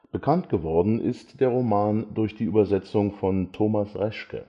Bekannt geworden ist der Roman durch die Übersetzung von Thomas Reschke